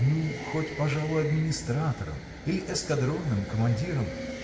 ну, хоть, пожалуй, администратором или эскадронным командиром.